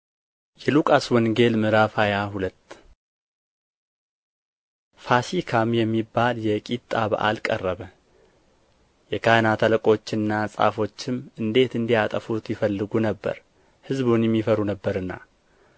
የሉቃስ ወንጌል ምዕራፍ ሃያ ሁለት ፋሲካም የሚባለው የቂጣ በዓል ቀረበ የካህናት አለቆችና ጻፎችም እንዴት እንዲያጠፉት ይፈልጉ ነበር ሕዝቡን ይፈሩ ነበርና